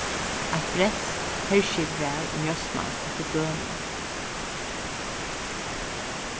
eitt bretskt herskip var og njósnaðist eftir dønum